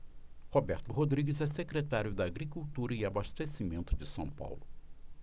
roberto rodrigues é secretário da agricultura e abastecimento de são paulo